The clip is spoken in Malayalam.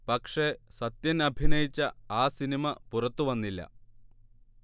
പക്ഷേ സത്യനഭിനയിച്ച ആ സിനിമ പുറത്തുവന്നില്ല